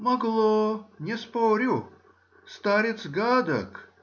— Могло, не спорю: старец гадок